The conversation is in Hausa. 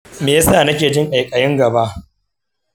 me yasa nake jin ƙaiƙayin gaba?